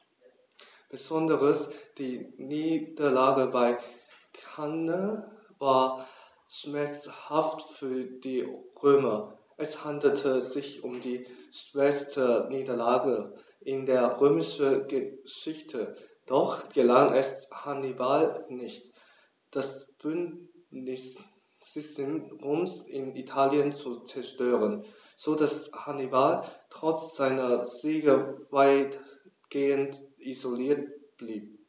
Besonders die Niederlage bei Cannae war schmerzhaft für die Römer: Es handelte sich um die schwerste Niederlage in der römischen Geschichte, doch gelang es Hannibal nicht, das Bündnissystem Roms in Italien zu zerstören, sodass Hannibal trotz seiner Siege weitgehend isoliert blieb.